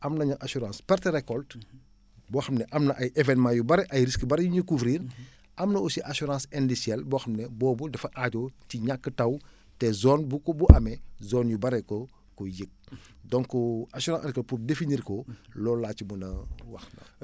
am nañu assurance perte récolte boo xam ne am na ay événements yu bare ay risques yu bare yu ñuy couvrir am na aussi assurance indicelle boo xam ne boobu dafa aajoo ci ñàkk taw te zone bu ku amee zones yu baree ko koy yëg donc assurance agricole pour définir ko loolu laa ci mun a wax